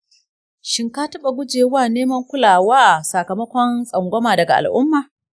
shin ka taɓa gujewa neman kulawa sakamakon tsangwama daga al’umma?